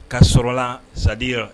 Ka sɔr'ala c'est à dire